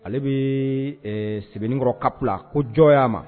Ale bɛ sɛbɛnnikɔrɔ kabila ko jɔn a ma